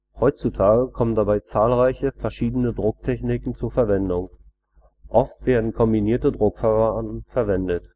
Heutzutage kommen dabei zahlreiche verschiedene Drucktechniken zur Verwendung. Oft werden kombinierte Druckverfahren verwendet